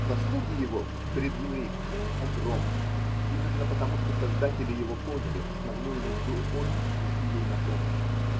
Заслуги его пред еврейством огромны – именно потому, что создатели его поняли основную нужду эпохи и пришли ей на помощь.